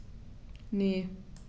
Ne.